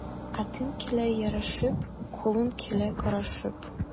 Атым килә ярашып, кулым килә карышып.